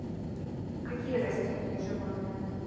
какие растения и животные